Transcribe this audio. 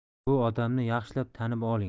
bu odamni yaxshilab tanib oling